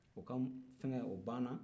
o ka fɛ o bannan